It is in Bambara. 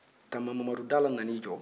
tanba mamadu dala nana i jɔ